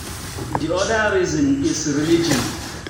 The other reason is religion.